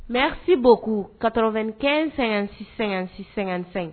Mɛ sibo ko katoɔrɔ2 kɛ sɛgɛn-sɛ-sɛsɛ